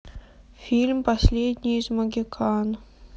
фильм последний из могикан